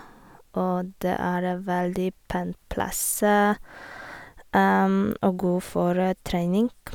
Og det er veldig pen plass, og god for trening.